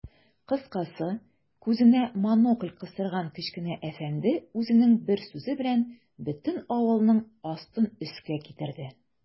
Кыскасы, күзенә монокль кыстырган кечкенә әфәнде үзенең бер сүзе белән бөтен авылның астын-өскә китерде.